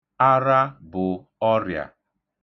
Ara bụ ọrịa.